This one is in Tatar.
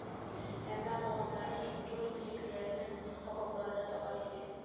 Әмма калганнары туп-туры безнекеләрнең окопларына табан килә